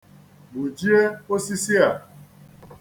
Gbujie osisi a.